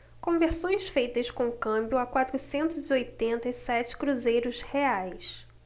conversões feitas com câmbio a quatrocentos e oitenta e sete cruzeiros reais